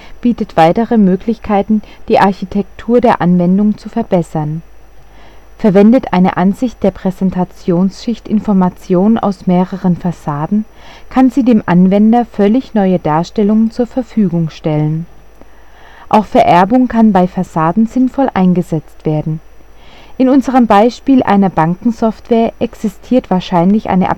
Der Einsatz mehrerer Applikations-Fassaden bietet weitere Möglichkeiten die Architektur der Anwendung zu verbessern. Verwendet eine Ansicht der Präsentationsschicht Informationen aus mehreren Fassaden, kann sie dem Anwender völlig neue Darstellungen zur Verfügung stellen. Auch Vererbung kann bei Fassaden sinnvoll eingesetzt werden. In unserem Beispiel einer Banken-Software existiert wahrscheinlich eine